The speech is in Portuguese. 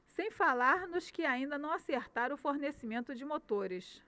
sem falar nos que ainda não acertaram o fornecimento de motores